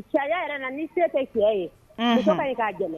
Charia yɛrɛ la ni se tɛ cɛ ye unhun muso kaɲi k'a dɛmɛ